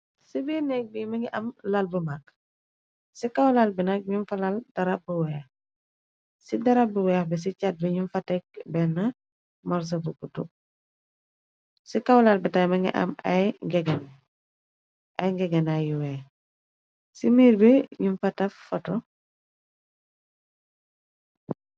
Ci biir nekk bi mungi am lal bu mak, ci kaw lal bi nak njung fa lal darab bu weex, ci darab bu weex bi ci chhat bi njung fa tek benu morsoh bu gudu, ci kaw lal bi tamit mungi am ay njehgeh naay, aiiy njehgeh naay yu weex, ci miir bi njung fa taf fotoh.